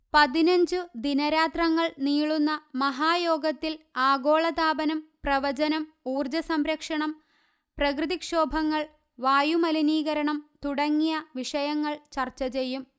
പതിനഞ്ചു ദിനരാത്രങ്ങൾ നീളുന്ന മഹായോഗത്തിൽ ആഗോള താപനം പ്രവചനം ഊർജ സംരക്ഷണം പ്രകൃതിക്ഷോഭങ്ങൾ വായുമലിനീകരണം തുടങ്ങിയ വിഷയങ്ങൾ ചർച്ചചെയ്യും